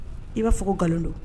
I b'a fɔ ko nkalon don